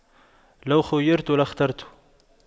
لو خُيِّرْتُ لاخترت